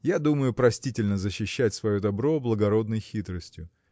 Я думаю, простительно защищать свое добро благородной хитростью